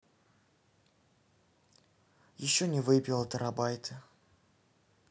еще не выпила терабайты